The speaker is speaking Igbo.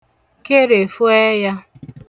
kerèfu ẹyā